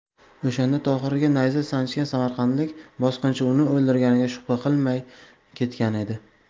o'shanda tohirga nayza sanchgan samarqandlik bosqinchi uni o'ldirganiga shubha qilmay ketgan edi